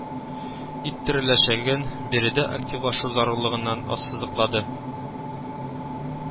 Иттереләчәген, биредә активлашу зарурлыгыннан ассызыклады